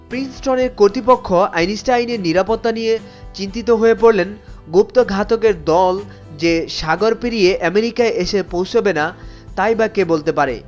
প্রিন্সটনের কর্তৃপক্ষ আইনস্টাইনের নিরাপত্তা নিয়ে চিন্তিত হয়ে পড়লেন গুপ্ত ঘাতকের দল যে সাগর পেরিয়ে আমেরিকায় এসে পৌছবে না তাই বা কে বলতে পারে